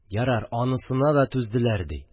Ярар, анысына да түзделәр ди..